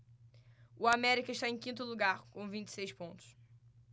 o américa está em quinto lugar com vinte e seis pontos